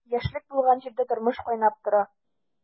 Яшьлек булган җирдә тормыш кайнап тора.